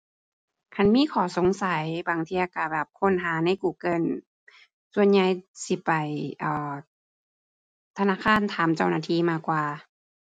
คันมีข้อสงสัย บางเที่ยก็แบบค้นหาใน Google ส่วนใหญ่สิไป อ่า ธนาคารถามเจ้าหน้าที่มากกว่า